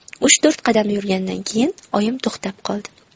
uch to'rt qadam yurgandan keyin oyim to'xtab qoldi